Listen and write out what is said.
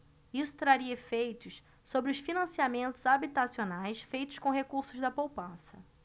isso traria efeitos sobre os financiamentos habitacionais feitos com recursos da poupança